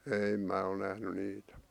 ei minä ole nähnyt niitä